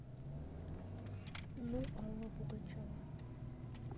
ну алла пугачева